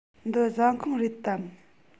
འདི ཟ ཁང རེད དམ